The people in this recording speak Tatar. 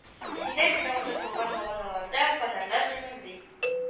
Сирәк кенә утыртылган баганаларда фонарьлар җемелди